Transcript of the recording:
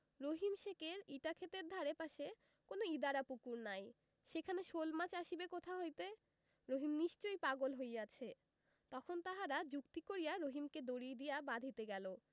রহিম শেখের ইটাক্ষেতের ধারে পাশে কোনো ইদারা পুকুর নাই সেখানে শোলমাছ আসিবে কোথা হইতে রহিম নিশ্চয়ই পাগল হইয়াছে তখন তাহারা যুক্তি করিয়া রহিমকে দড়ি দিয়া বাধিতে গেল